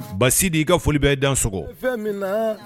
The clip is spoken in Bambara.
Basi di i ka foli bɛ i dan soɔgɔ